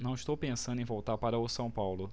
não estou pensando em voltar para o são paulo